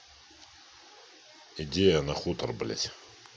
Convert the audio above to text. идея на хутор блядь